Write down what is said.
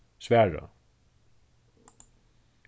svara